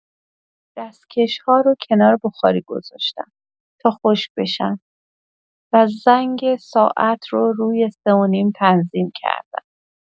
دستکش‌ها رو کنار بخاری گذاشتم تا خشک بشن و زنگ ساعت رو روی سه‌ونیم تنظیم کردم.